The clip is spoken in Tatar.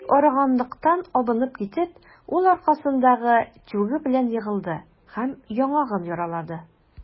Бик арыганлыктан абынып китеп, ул аркасындагы тюгы белән егылды һәм яңагын яралады.